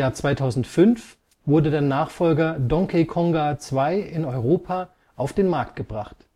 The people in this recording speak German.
2005 wurde der Nachfolger Donkey Konga 2 in Europa auf den Markt gebracht